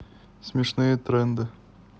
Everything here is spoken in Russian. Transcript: смешные тренды